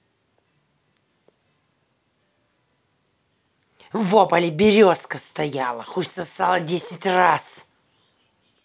во поле березка стояла хуй сосала десять раз